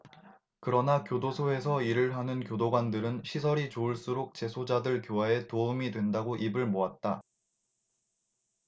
그러나 교도소에서 일을 하는 교도관들은 시설이 좋을수록 재소자들 교화에 도움이 된다고 입을 모았다